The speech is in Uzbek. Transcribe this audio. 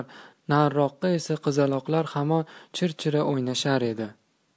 nariroqda esa qizaloqlar hamon chirchira o'ynashardi